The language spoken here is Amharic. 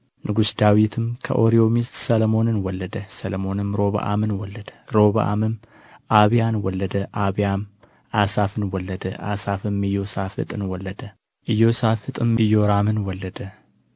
ንጉሥ ዳዊትም ከኦሪዮ ሚሰት ሰሎሞንም ሮብዓምን ወለደ ሮብዓምም አቢያን ወለደ አቢያም አሣፍን ወለደ አሣፍም ኢዮሣፍጥን ወለደ ኢዮሣፍጥም ኢዮራምን ወለደ